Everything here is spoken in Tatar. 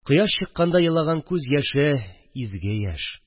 Кояш чыкканда елаган күз яше – изге яшь